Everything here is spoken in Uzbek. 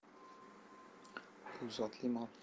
bu zotli mol